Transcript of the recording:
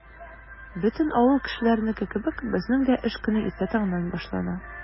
Бөтен авыл кешеләренеке кебек, безнең дә эш көне иртә таңнан башлана.